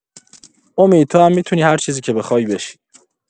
امید، تو هم می‌تونی هر چیزی که بخوای بشی.